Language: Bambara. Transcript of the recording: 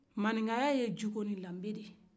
maninkaya ye jogo ni danbe de ye